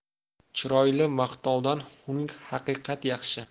chiroyli maqtovdan xunuk haqiqat yaxshi